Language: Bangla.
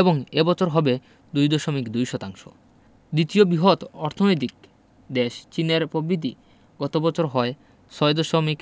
এবং এ বছর হবে ২.২ শতাংশ দ্বিতীয় বিহৎ অর্থনৈতিক দেশ চীনের পবিদ্ধি গত বছর হয় ৬.৮